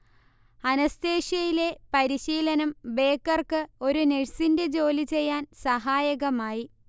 അനസ്തേഷ്യയിലെ പരിശീലനം ബേക്കർക്ക് ഒരു നഴ്സിന്റെ ജോലി ചെയ്യാൻ സഹായകമായി